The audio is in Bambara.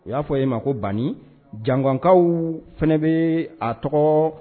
O y'a fɔ e ma ko ban janɔnkaw fana bɛ a tɔgɔ